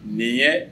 Nin ye